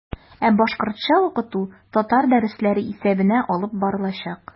Ә башкортча укыту татар дәресләре исәбенә алып барылачак.